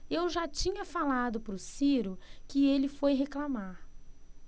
eu já tinha falado pro ciro que ele foi reclamar